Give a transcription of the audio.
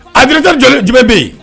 Abita jɔ jumɛn bɛ yen